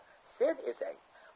sen esang